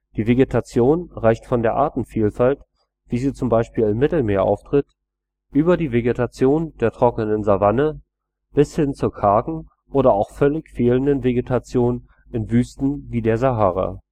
Die Vegetation reicht von der Artenvielfalt, wie sie zum Beispiel im Mittelmeer auftritt, über die Vegetation der trockenen Savanne bis hin zur kargen oder auch völlig fehlenden Vegetation in Wüsten wie der Sahara